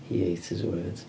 He ate his words.